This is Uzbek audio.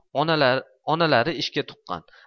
onalari ishga tuqqan